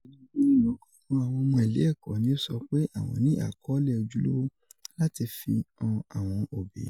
Ida ogun nínú ọgorun awọn ọmọ ile ẹkọ ni o sọ pe awọn ni akọọlẹ ‘’ojulowo’’ lati fi han awọn obi